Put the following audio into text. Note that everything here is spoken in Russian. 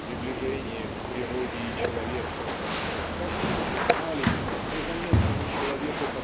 приближение к природе и человеку простому маленькому незаметному человеку